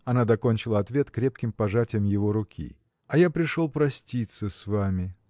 – Она докончила ответ крепким пожатием его руки. – А я пришел проститься с вами!